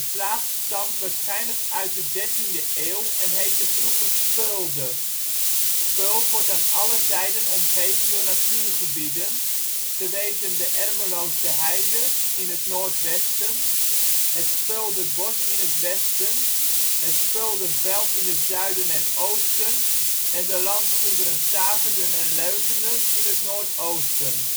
plaats stamt waarschijnlijk uit de 13e eeuw en heette vroeger Speulde. Speuld wordt aan alle zijden omgeven door natuurgebieden, te weten de Ermelose heide in het noordwesten, het Speulderbos in het westen, het Speulderveld in het zuiden en oosten, de landgoederen Staverden en Leuvenum in het Noordoosten